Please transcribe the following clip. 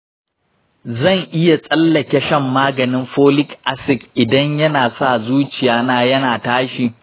zan iya tsallake shan maganin folic acid idan yana sa zuciya na yana tashi?